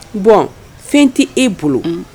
Bɔn fɛn tɛ e bolo